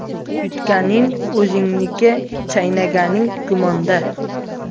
yutganing o'zingniki chaynaganing gumonda